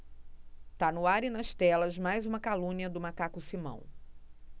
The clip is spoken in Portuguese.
tá no ar e nas telas mais uma calúnia do macaco simão